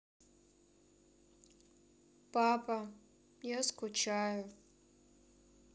папа я скучаю